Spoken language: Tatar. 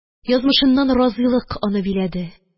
Язмышыннан разыйлык аны биләде